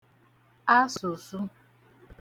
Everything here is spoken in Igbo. asụ̀sụ